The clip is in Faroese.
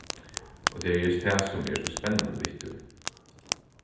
og tað er júst tað sum er so spennandi við tí